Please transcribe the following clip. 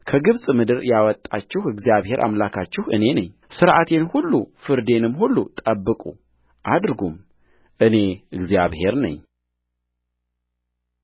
ከግብፅ ምድር ያወጣኋችሁ እግዚአብሔር አምላካችሁ እኔ ነኝሥርዓቴን ሁሉ ፍርዴንም ሁሉ ጠብቁ አድርጉም እኔ እግዚአብሔር ነኝ